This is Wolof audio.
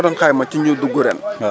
boo ko doon xayma si ñu dugg ren